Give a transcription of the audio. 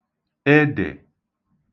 edè